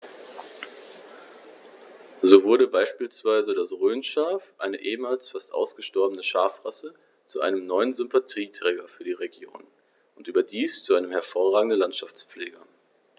So wurde beispielsweise das Rhönschaf, eine ehemals fast ausgestorbene Schafrasse, zu einem neuen Sympathieträger für die Region – und überdies zu einem hervorragenden Landschaftspfleger.